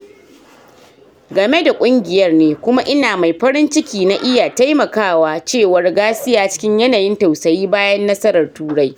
Game da kungiyar ne., Kuma ina mai farin ciki na iya taimakawa, "cewar Garcia cikin yanayin tausayi bayan nasarar Turai.